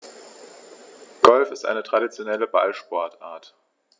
Golf ist eine traditionelle Ballsportart.